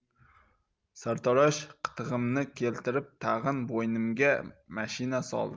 sartarosh qitig'imni keltirib tag'in bo'ynimga mashina soldi